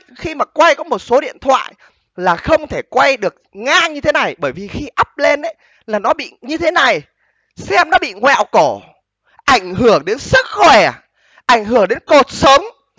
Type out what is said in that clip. khi mà quay có một số điện thoại là không thể quay được ngang như thế này bởi vì khi ắp lên ấy là nó bị như thế này xem nó bị ngoẹo cổ ảnh hưởng đến sức khỏe ảnh hưởng đến cột sống